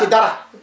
ci dara